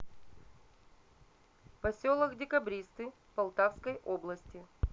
поселок декабристы полтавской области